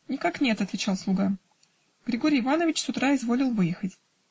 "Никак нет, -- отвечал слуга, -- Григорий Иванович с утра изволил выехать".